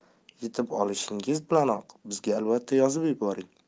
yetib olishingiz bilanoq bizga albatta yozib yuboring